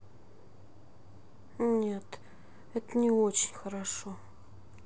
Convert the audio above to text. нет это не очень хорошо